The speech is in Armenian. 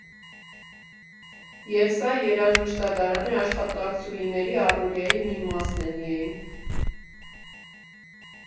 Եվ սա երաժշտադարանի աշխատակցուհիների առօրյայի մի մասն է միայն։